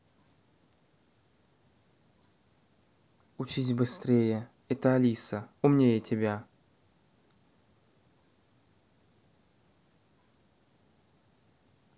учись быстрее это алиса умнее тебя